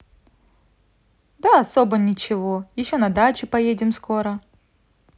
да особо ничего еще на дачу поедем скоро